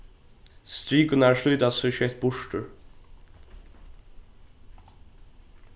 strikurnar slítast so skjótt burtur